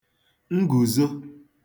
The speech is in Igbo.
ngùzo